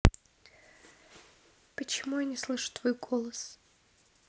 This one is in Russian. почему я не слышу твой голос